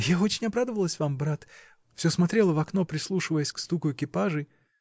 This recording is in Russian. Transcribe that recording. — Я очень обрадовалась вам, брат, всё смотрела в окно, прислушивалась к стуку экипажей.